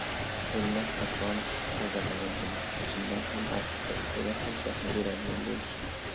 o'lmas akrom aldamagan edi chindan ham arxivda istagan hujjatni beradigan bo'lishdi